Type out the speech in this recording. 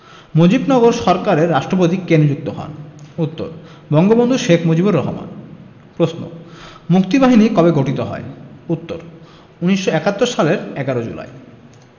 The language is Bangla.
মুজিবনগর সরকারের রাষ্ট্রপতি কে নিযুক্ত হন উত্তর বঙ্গবন্ধু শেখ মুজিবুর রহমান প্রশ্ন মুক্তিবাহিনী কবে গঠিত হয় উত্তর ১৯৭১ সালের ১১ জুলাই